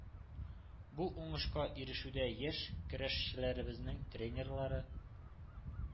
Бу уңышка ирешүдә яшь көрәшчеләребезнең тренерлары